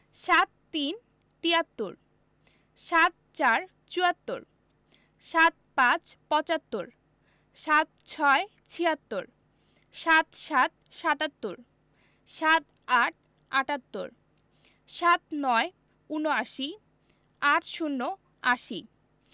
৭৩ – তিয়াত্তর ৭৪ – চুয়াত্তর ৭৫ – পঁচাত্তর ৭৬ - ছিয়াত্তর ৭৭ – সাতাত্তর ৭৮ – আটাত্তর ৭৯ – উনআশি ৮০ - আশি